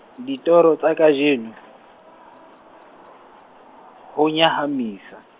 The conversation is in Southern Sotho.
ditoro tsa kajeno , ho nyahamisa.